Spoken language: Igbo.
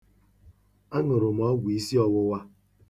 Aṅụrụ m ọgwụ isiọwụwa.